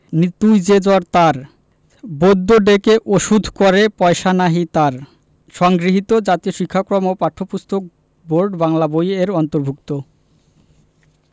নিতুই যে জ্বর তার বৈদ্য ডেকে ওষুধ করে পয়সা নাহি তার সংগৃহীত জাতীয় শিক্ষাক্রম ও পাঠ্যপুস্তক বোর্ড বাংলা বই এর অন্তর্ভুক্ত